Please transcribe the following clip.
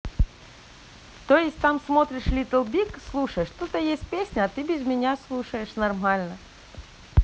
то есть там смотришь little big слушай что то есть песня а ты без меня слушаешь нормально